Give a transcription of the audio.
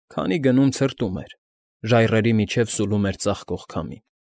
Քանի գնում ցրտում էր, ժայռերի միջև սուլում էր ծակող քամին։